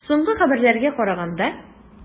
Соңгы хәбәрләргә караганда.